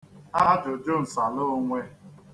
ajụ̀jụǹsàlaōnwē